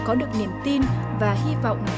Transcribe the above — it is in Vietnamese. có được niềm tin và hy vọng